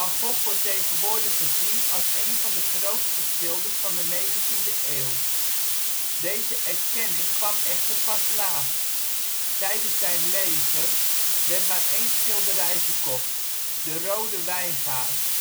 Gogh wordt tegenwoordig gezien als één van de grote schilders van de 19de eeuw. Deze erkenning kwam echter pas laat. Tijdens zijn leven werd maar één schilderij verkocht: De rode wijngaard